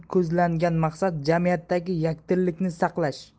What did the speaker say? ko'zlangan maqsad jamiyatdagi yakdillikni saqlash